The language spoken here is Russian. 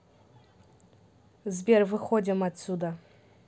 сбер выходим отсюда